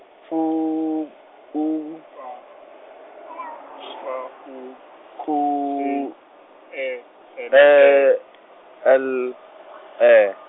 pfu- U , ku, E, L, E.